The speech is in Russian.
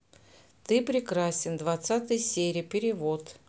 ты прекрасен двадцатая серия перевод